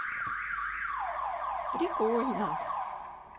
прикольно